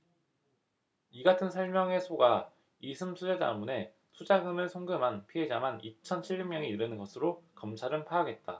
이 같은 설명에 속아 이숨투자자문에 투자금을 송금한 피해자만 이천 칠백 명이 이르는 것으로 검찰은 파악했다